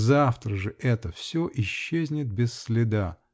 Завтра же это все исчезнет без следа.